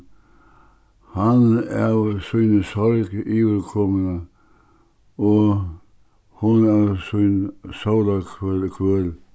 hann av síni sorg yvir komuna og hon av sín